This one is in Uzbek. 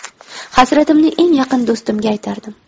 hasratimni eng yaqin do'stimga aytardim